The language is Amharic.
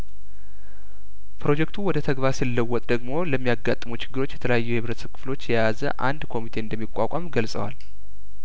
ፕሮጀክቱ ወደ ተግባር ሲለወጥ ደግሞ ለሚያጋጥሙ ችግሮች የተለያዩ የህብረተሰብ ክፍሎች የያዘ አንድ ኮሚቴ እንደሚቋቋም ገልጸዋል